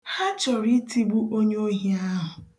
Ha chọrọ itigbu onye ohi ahụ.